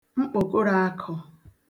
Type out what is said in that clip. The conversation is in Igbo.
mkpòkorō akụ̄